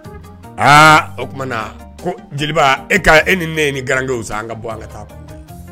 O jeliba e ni ne ni garankɛ ka bɔ an ka taa kun